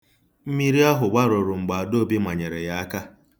Mmiri ahụ gbarụrụ mgbe Adaobi manyere ya aka.